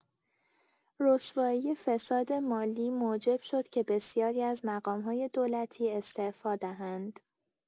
رسوایی فساد مالی موجب شد که بسیاری از مقام‌های دولتی استعفا دهند.